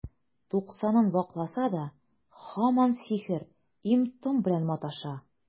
Туксанын вакласа да, һаман сихер, им-том белән маташа.